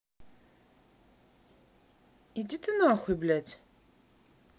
иди ты нахуй блядь